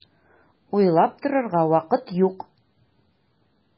Уйлап торырга вакыт юк!